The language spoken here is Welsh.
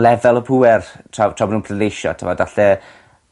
lefel o pŵer t'mod tra bo' nw'n pleidleisio t'mod alle